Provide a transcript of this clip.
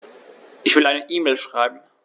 Ich will eine E-Mail schreiben.